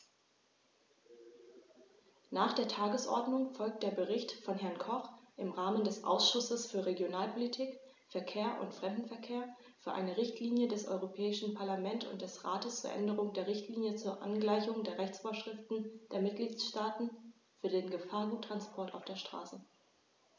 Nach der Tagesordnung folgt der Bericht von Herrn Koch im Namen des Ausschusses für Regionalpolitik, Verkehr und Fremdenverkehr für eine Richtlinie des Europäischen Parlament und des Rates zur Änderung der Richtlinie zur Angleichung der Rechtsvorschriften der Mitgliedstaaten für den Gefahrguttransport auf der Straße.